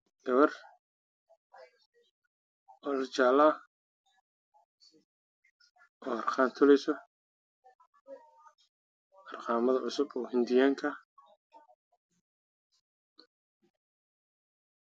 Meeshaan waxaa ka muuqdo gabar harqaan toleeyso